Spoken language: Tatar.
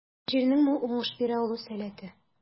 Җирнең мул уңыш бирә алу сәләте.